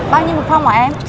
bao nhiêu một phong hả em